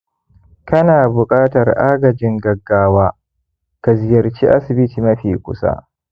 ka na bukatar agajin gaggawa, ka ziyarci asibiti mafi kusa.